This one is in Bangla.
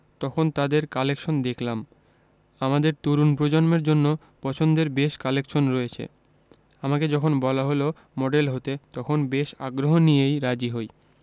তখন তাদের কালেকশান দেখলাম আমাদের তরুণ প্রজন্মের জন্য পছন্দের বেশ কালেকশন রয়েছে আমাকে যখন বলা হলো মডেল হতে তখন বেশ আগ্রহ নিয়েই রাজি হই